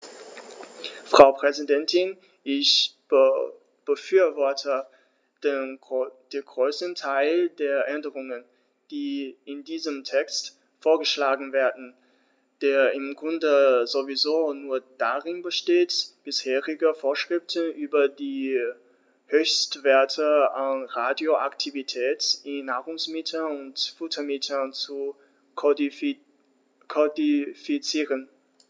Frau Präsidentin, ich befürworte den größten Teil der Änderungen, die in diesem Text vorgeschlagen werden, der im Grunde sowieso nur darin besteht, bisherige Vorschriften über die Höchstwerte an Radioaktivität in Nahrungsmitteln und Futtermitteln zu kodifizieren.